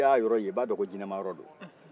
mɛ n'i y'a yɔrɔ ye i b'a dɔn ko jinɛman yɔrɔ don